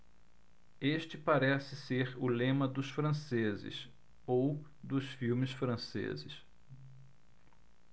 este parece ser o lema dos franceses ou dos filmes franceses